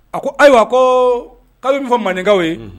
A ko ayiwa ko k'a bɛ min fɔ mandekaw ye